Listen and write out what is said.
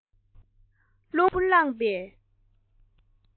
རླུང བུས ངའི བ སྤུ བསླངས པས